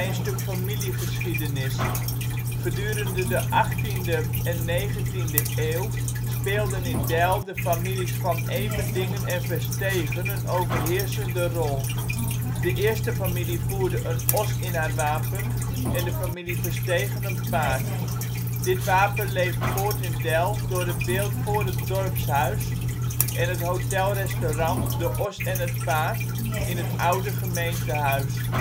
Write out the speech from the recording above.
stuk familiegeschiedenis. Gedurende de 18e en 19e eeuw speelden in Deil de families Van Everdingen en Verstegen een overheersende rol. De eerste familie voerde een os in haar wapen en de familie Verstegen een paard. Dit wapen leeft voort in Deil door het beeld voor het dorpshuis en het hotel-restaurant " de Os en het Paard " in het oude gemeentehuis